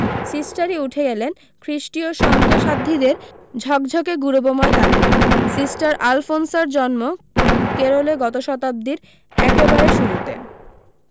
সিস্টারই উঠে এলেন খ্রীষ্টিয় সন্ত সাধ্বীদের ঝকঝকে গুরবময় তালিকায় সিস্টার আলফোনসার জন্ম কেরলে গত শতাব্দীর একেবারে শুরুতে